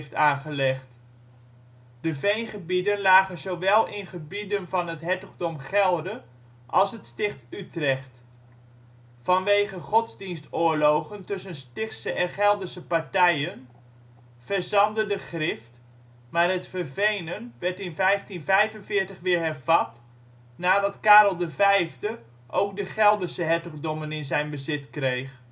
De veengebieden lagen zowel in gebieden van het Hertogdom Gelre als het Sticht Utrecht. Vanwege godsdienstoorlogen tussen Stichtse en Gelderse partijen verzandde de Grift, maar het vervenen werd in 1545 weer hervat nadat Karel V ook de Gelderse hertogdommen in zijn bezit kreeg